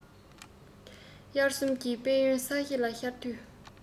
དབྱར གསུམ གྱི དཔལ ཡོན ས གཞི ལ ཤར དུས